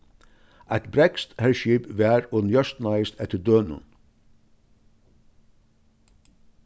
eitt bretskt herskip var og njósnaðist eftir dønum